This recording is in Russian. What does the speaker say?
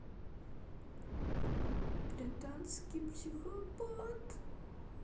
британский психопат